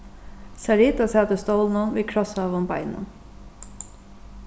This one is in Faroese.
sarita sat í stólinum við krossaðum beinum